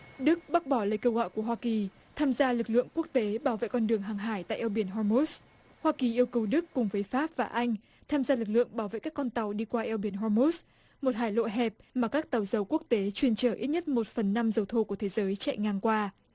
đức bác bỏ lời kêu gọi của hoa kỳ tham gia lực lượng quốc tế bảo vệ con đường hàng hải tại eo biển ho mút hoa kỳ yêu cầu đức cùng với pháp và anh tham gia lực lượng bảo vệ các con tàu đi qua eo biển ho mút một hải lộ hẹp mà các tàu dầu quốc tế chuyên chở ít nhất một phần năm dầu thô của thế giới chạy ngang qua